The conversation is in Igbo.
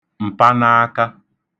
m̀panaaka